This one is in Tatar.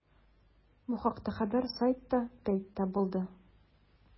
Бу хакта хәбәр сайтта пәйда булды.